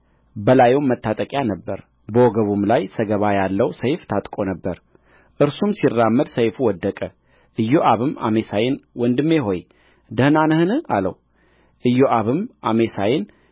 በላዩም መታጠቂያ ነበረ በወገቡም ላይ ሰገባ ያለው ሰይፍ ታጥቆ ነበር እርሱም ሲራመድ ሰይፉ ወደቀ ኢዮአብም አሜሳይን ወንድሜ ሆይ ደኅና ነህን አለው ኢዮአብም አሜሳይን